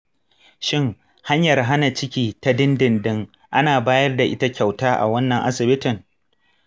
shin hanyar hana ciki ta dindindin ana bayar da ita kyauta a wannan asibitin?